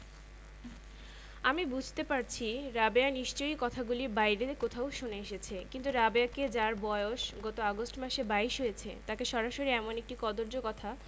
এগুলি বড় বাজে কথা তুই কত বড় হয়েছিস রাবেয়া আমার এক বৎসরের বড় আমি তাকে তুই বলি পিঠাপিঠি ভাই বোনের একজন আরেক জনকে তুই বলেই ডাকে রাবেয়া আমাকে তুমি বলে আমার প্রতি তার ব্যবহার ছোট বোন সুলভ